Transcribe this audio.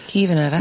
Hi fyn 'na yfe?